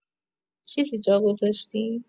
چیزی جا گذاشتی؟